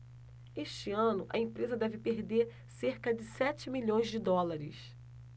este ano a empresa deve perder cerca de sete milhões de dólares